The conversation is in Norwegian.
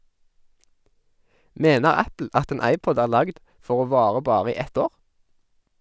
- Mener Apple at en iPod er lagd for å vare bare i ett år?